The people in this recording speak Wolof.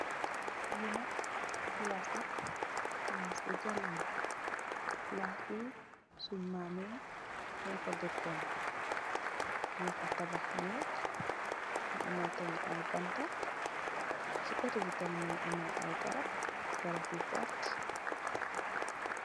Lee nak plase la plase bu jalala plase be sun mam ye nufa dekon nugfa tabahh neek muge ameh tamin aye banta se koteh be tamin muge ameh aye garab garab yu verte.